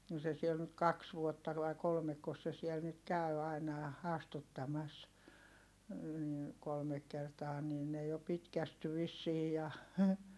no se siellä nyt kaksi vuotta vai kolmekos se siellä nyt käy aina ja astuttamassa niin kolme kertaa niin ne jo pitkästyi vissiin ja